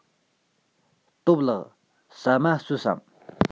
སྟོབས ལགས ཟ མ ཟོས སམ